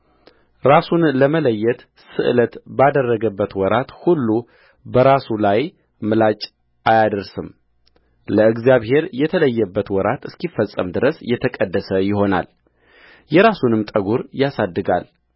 ራሱን ለመለየት ስእለት ባደረገበት ወራት ሁሉ በራሱ ላይ ምላጭ አይደርስም ለእግዚአብሔር የተለየበት ወራት እስኪፈጸም ድረስ የተቀደሰ ይሆናል የራሱንም ጠጕር ያሳድጋል